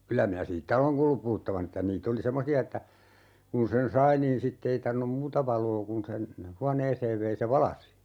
kyllä minä siitä olen kuullut puhuttavan että niitä oli semmoisia että kun sen sai niin sitten ei tarvinnut muuta valoa kuin sen huoneeseen vei se valaisi